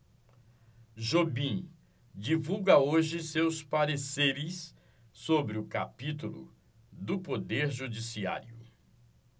jobim divulga hoje seus pareceres sobre o capítulo do poder judiciário